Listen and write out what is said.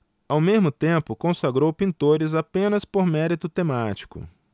ao mesmo tempo consagrou pintores apenas por mérito temático